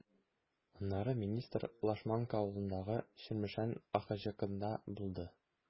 Аннары министр Лашманка авылындагы “Чирмешән” АХҖКында булды.